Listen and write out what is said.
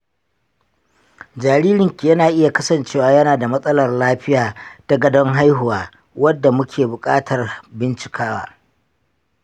jaririnki yana iya kasancewa yana da matsalar lafiya ta gadon haihuwa wadda muke buƙatar bincikawa